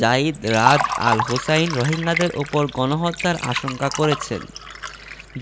Zeid Raad al Hussein রোহিঙ্গাদের ওপর গণহত্যার আশঙ্কা করেছেন